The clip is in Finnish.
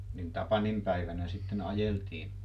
niin Tapanin päivänä sitten ajeltiin